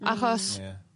Achos... Ie.